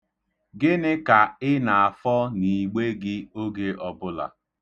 Gịnị ka ị na-afọ n'igbe gị oge ọbụla?